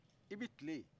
i bɛ tilen ye